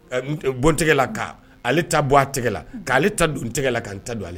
Bɔn tɛgɛ la ka ale ta bɔ a tɛgɛ la k'ale ale ta don tɛgɛ la ka ta don ale la